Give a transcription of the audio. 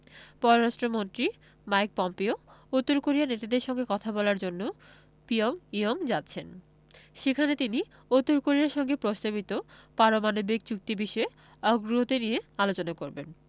পররাষ্ট্রমন্ত্রী Mike Pompeo উত্তর কোরিয়ার নেতাদের সঙ্গে কথা বলার জন্য পিয়ংইয়ং যাচ্ছেন সেখানে তিনি উত্তর কোরিয়ার সঙ্গে প্রস্তাবিত পারমাণবিক চুক্তি বিষয়ে অগ্রগতি নিয়ে আলোচনা করবেন